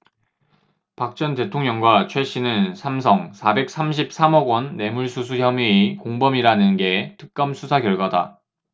박 전 대통령과 최씨는 삼성 사백 삼십 삼 억원 뇌물수수 혐의의 공범이라는 게 특검 수사 결과다